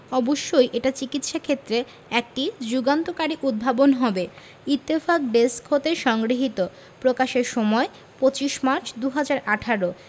অবশ্যই এটা চিকিত্সাক্ষেত্রে একটি যুগান্তকারী উদ্ভাবন হবে ইত্তেফাক ডেস্ক হতে সংগৃহীত প্রকাশের সময় ২৫মার্চ ২০১৮